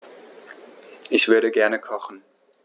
Ich würde gerne kochen.